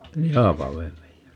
niin Haapavedelle joo